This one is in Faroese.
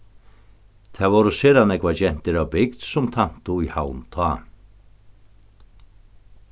tað vóru sera nógvar gentur av bygd sum tæntu í havn tá